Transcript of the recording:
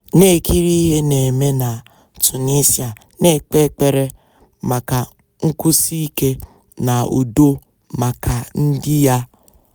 Na-ekiri ihe na-eme na #Tunisia na-ekpe ekpere maka nkwụsi ike na udo maka ndị ya.